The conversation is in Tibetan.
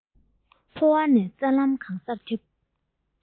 ཕོ བ ནས རྩ ལམ གང སར ཁྱབ